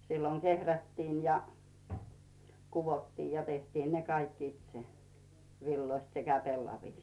silloin kehrättiin ja kudottiin ja tehtiin ne kaikki itse villoista sekä pellavista